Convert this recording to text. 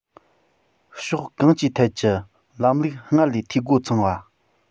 ཕྱོགས གང ཅིའི ཐད ཀྱི ལམ ལུགས སྔར ལས འཐུས སྒོ ཚང བ